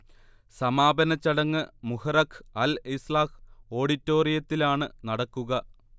സമാപനച്ചടങ്ങ് Muharraq Al Islah ഓഡിറ്റോറിയത്തിലാണ് നടക്കുക